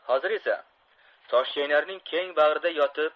hozir esa toshchaynarning keng bag'rida yotib